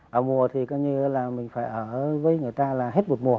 vào mùa thì coi như là mình phải ở với người ta là hết một mùa